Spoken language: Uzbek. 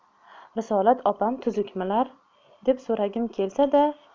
risolat opam tuzukmilar deb so'ragim kelsa da